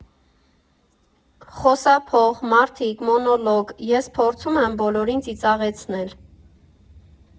Խոսափող, մարդիկ, մոնոլոգ, ես փորձում եմ բոլորին ծիծաղեցնել.